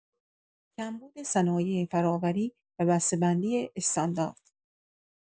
کمبود صنایع فرآوری و بسته‌بندی استاندارد